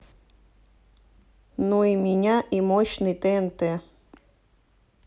ну и меня и мощный тнт